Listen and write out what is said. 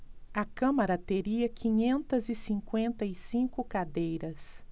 a câmara teria quinhentas e cinquenta e cinco cadeiras